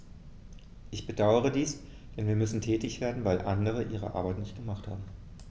Ich bedauere dies, denn wir müssen tätig werden, weil andere ihre Arbeit nicht gemacht haben.